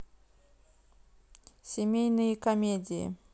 семейные комедии